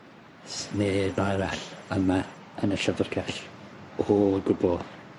Sneb arall yma yn y llyfyrgell o gwbwl.